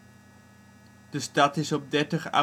is op 30 augustus